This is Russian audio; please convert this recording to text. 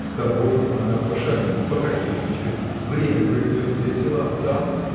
с тобою она пошалит, пококетничает, время проведет весело, а там.